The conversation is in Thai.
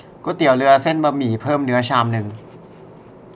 ก๋วยเตี๋ยวเรือเส้นบะหมี่เพิ่มเนื้อชามนึง